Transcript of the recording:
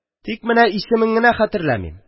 Тик менә исемен генә хәтерләмим...